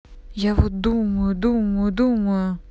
я вот думаю думаю думаю